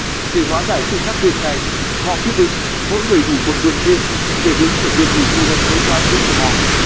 để hóa giải sự khác biệt này họ quyết định mỗi người ngủ một giường riêng để hướng của giường ngủ phù hợp với quái số của họ hay